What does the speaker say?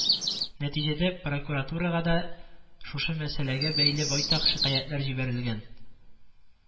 Нәтиҗәдә, прокуратурага да шушы мәсьәләгә бәйле байтак шикаятьләр җибәрелгән